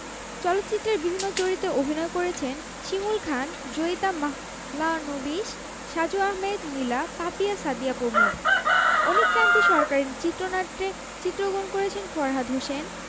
চলচ্চিত্রের বিভিন্ন চরিত্রে অভিনয় করেছেন শিমুল খান জয়িতা মাহলানোবিশ সাজু আহমেদ নীলা পাপিয়া সাদিয়া প্রমুখ অনিক কান্তি সরকারের চিত্রনাট্যে চিত্রগ্রহণ করেছেন ফরহাদ হোসেন